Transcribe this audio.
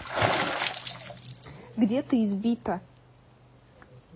где ты избита